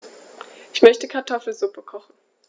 Ich möchte Kartoffelsuppe kochen.